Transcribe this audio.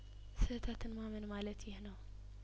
ስህተትን ማመን ማለት ይህ ነው